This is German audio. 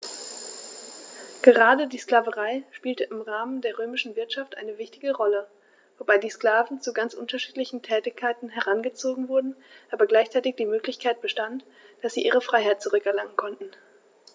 Gerade die Sklaverei spielte im Rahmen der römischen Wirtschaft eine wichtige Rolle, wobei die Sklaven zu ganz unterschiedlichen Tätigkeiten herangezogen wurden, aber gleichzeitig die Möglichkeit bestand, dass sie ihre Freiheit zurück erlangen konnten.